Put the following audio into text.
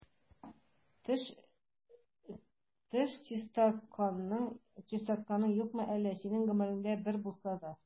Теш чистартканың юкмы әллә синең гомереңдә бер булса да?